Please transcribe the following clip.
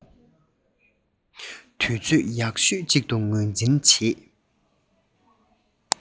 དུས ཚོད ཡག ཤོས ཤིག ཏུ ངོས འཛིན བྱེད